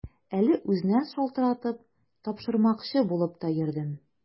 Әле үзенә шалтыратып, тапшырмакчы булып та йөрдем.